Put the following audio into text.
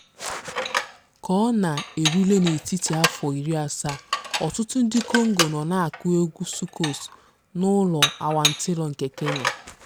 Ka ọ na-erule n'etiti afọ iri asaa, ọtụtụ ndị Congo nọ na-akụ egwu soukous n'ụlọ awantịrọ nke Kenya.